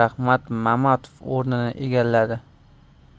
o'tkazilgan rahmat mamatov o'rnini egalladi